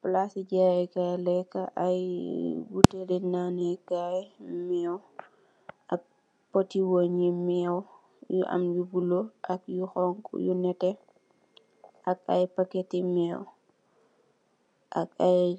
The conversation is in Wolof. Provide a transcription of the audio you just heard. Plassi jaaayeh kaii lehkah, aiiy butehli naaneh kaii meww, ak poti weungh yu meww yu am lu bleu, ak yu honhu, yu nehteh, ak aiiy packeti meww ak aiiy